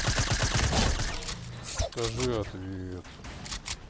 скажи ответ